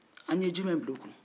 an ye jumɛn bila u kun